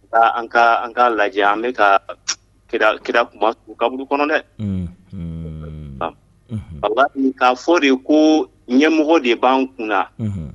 A an k'a an k'a lajɛ an be kaa kadal kira kunmasulu kaburu kɔnɔ dɛ unhun walahi k'a fɔ de koo ɲɛmɔgɔ de b'an kunna unhun